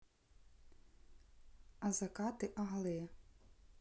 а закаты алые